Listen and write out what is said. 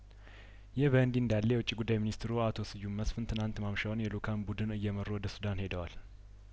ይህ በእንዲህ እንዳለ የውጭ ጉዳይ ሚኒስትሩ አቶ ስዩም መስፍን ትናንት ማምሻውን የልኡካን ቡድን እየመሩ ወደ ሱዳን ሄደዋል